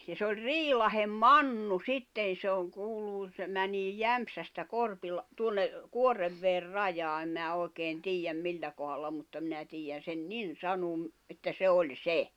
ja se oli Riilahden Mannu sitten se on kuuluu se menee Jämsästä - tuonne Kuoreveden rajaa en minä oikein tiedä millä kohdalla mutta minä tiedän sen niin sanoa että se oli se